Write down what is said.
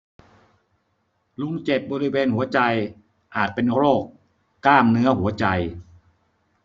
ลุงเจ็บบริเวณหัวใจอาจเป็นโรคกล้ามเนื้อหัวใจ